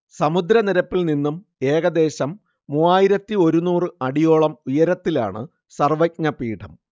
സമുദ്രനിരപ്പിൽ നിന്നും ഏകദേശം മൂവായിരത്തിഒരുന്നൂറ് അടിയോളം ഉയരത്തിലാണ് സർവ്വജ്ഞപീഠം